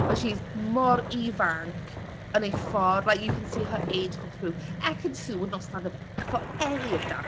but she's mor ifanc yn ei ffordd... like you can see her age come through. Ekin Su would not stand of for any of that.